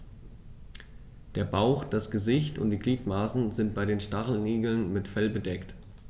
Der Bauch, das Gesicht und die Gliedmaßen sind bei den Stacheligeln mit Fell bedeckt.